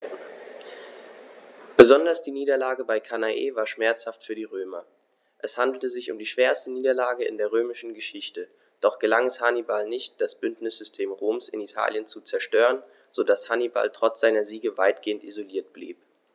Besonders die Niederlage bei Cannae war schmerzhaft für die Römer: Es handelte sich um die schwerste Niederlage in der römischen Geschichte, doch gelang es Hannibal nicht, das Bündnissystem Roms in Italien zu zerstören, sodass Hannibal trotz seiner Siege weitgehend isoliert blieb.